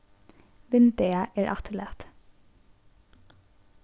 vindeygað er afturlatið